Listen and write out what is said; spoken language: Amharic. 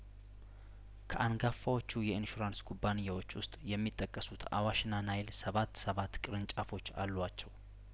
ከአንጋፋዎቹ የኢንሹራንስ ኩባንያዎች ውስጥ የሚጠቀሱት አዋሽና ናይል ሰባት ሰባት ቅርንጫፎች አሉዋቸው